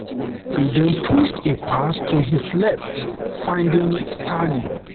He then pushed a pass to his left, finding Sterling.